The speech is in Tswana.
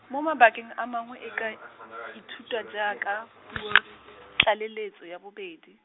mo mabakeng a mangwe e ka, ithutiwa jaaka, puo, tlaleletso ya bobedi.